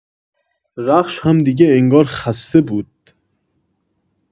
رخش هم دیگه انگار خسته بود.